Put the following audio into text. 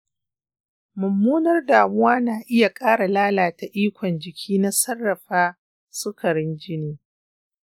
mummunar damuwa na iya ƙara lalata ikon jiki na sarrafa sukarin jini.